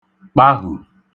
kpahù